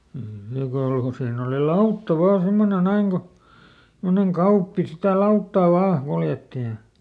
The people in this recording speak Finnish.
niin kauan kuin siinä oli lautta vain semmoinen näin kun semmoinen Kauppi sitä lauttaa vain kuljetti ja